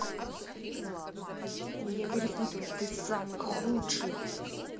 я перепутала ты самый худший